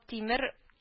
Тимер